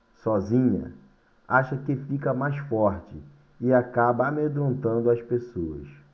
sozinha acha que fica mais forte e acaba amedrontando as pessoas